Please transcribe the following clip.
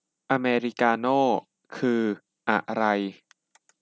อเมริกาโน่คืออะไร